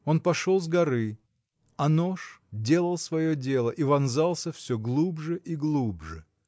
Он пошел с горы, а нож делал свое дело и вонзался всё глубже и глубже.